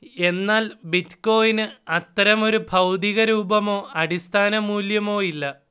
എന്നാൽ ബിറ്റ്കോയിന് അത്തരമൊരു ഭൗതികരൂപമോ അടിസ്ഥാന മൂല്യമോയില്ല